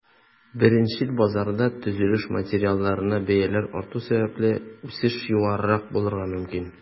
Беренчел базарда, төзелеш материалларына бәяләр арту сәбәпле, үсеш югарырак булырга мөмкин.